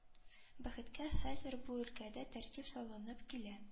Бәхеткә хәзер бу өлкәдә тәртип салынып килә